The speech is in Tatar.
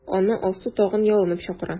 Аны Алсу тагын ялынып чакыра.